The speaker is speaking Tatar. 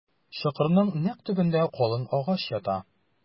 Чокырның нәкъ төбендә калын агач ята.